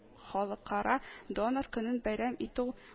Халыкара донор көнен бәйрәм итү